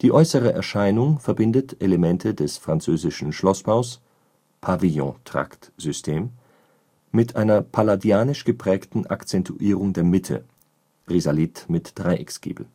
äußere Erscheinung verbindet Elemente des französischen Schlossbaus (Pavillontrakt-System) mit einer palladianisch geprägten Akzentuierung der Mitte (Risalit mit Dreiecksgiebel